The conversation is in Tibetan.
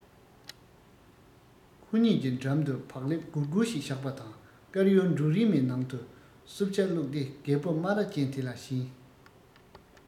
ཁོ གཉིས ཀྱི འགྲམ དུ བག ལེབ སྒོར སྒོར ཞིག བཞག པ དང དཀར ཡོལ འབྲུག རིས མའི ནང དུ བསྲུབས ཇ བླུགས ཏེ རྒད པོ སྨ ར ཅན ལ བྱིན